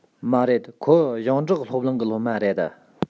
མ རེད ཁོ ཞིང འབྲོག སློབ གླིང གི སློབ མ རེད